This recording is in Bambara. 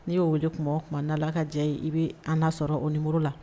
N'i'o wele tuma o tuma nala ka diya ye i bɛ an' sɔrɔ o ni muru la